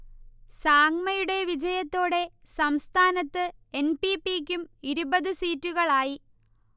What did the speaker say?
സാങ്മയുടെ വിജയത്തോടെ സംസ്ഥാനത്ത് N. P. P. ക്കും ഇരുപത് സീറ്റുകളായി